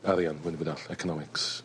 arian mwy na'm byd arall. Economics.